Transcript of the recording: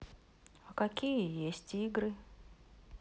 а какие есть игры